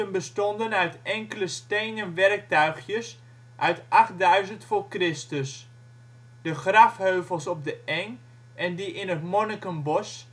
bestonden uit enkele stenen werktuigjes uit 8000 voor Christus. De grafheuvels op de Engh en die in het Monnikenbos